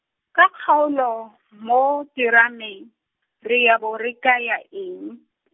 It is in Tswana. ka kgaolo, mo, terameng, re a bo re kaya eng?